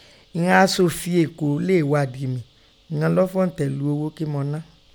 Ìghọn ọn asòfi Eko le è ghádìí mi, ìghọn lọ́ fòǹtẹ̀ lu oghó kí mọ ná